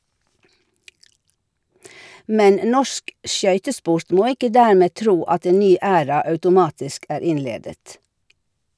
Men norsk skøytesport må ikke dermed tro at en ny æra automatisk er innledet.